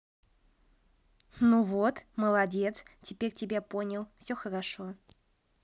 ну вот молодец теперь тебя понял все хорошо